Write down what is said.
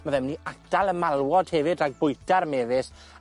Ma' fe myn' i atal y malwod hefyd rag bwyta'r mefus,